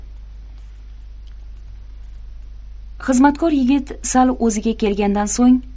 xizmatkor yigit sal o'ziga kelgandan so'ng